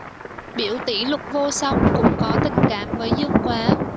biểu tỉ lục vô song cũng có tình cảm với dương quá